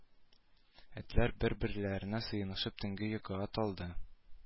Этләр бер-берләренә сыенышып төнге йокыга талды